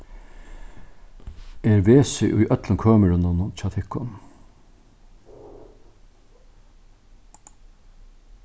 er vesi í øllum kømrunum hjá tykkum